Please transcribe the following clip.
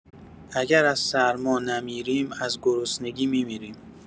اگر از سرما نمی‌ریم، از گرسنگی می‌میریم.